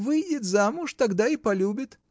— Выйдет замуж, тогда и полюбит.